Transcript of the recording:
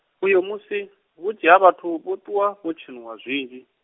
uyo musi, vhunzhi ha vhathu vho ṱuwa, vho tshenuwa zwinzhi.